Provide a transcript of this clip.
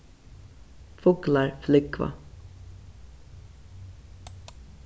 fuglar flúgva